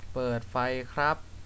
เปิดไฟครับ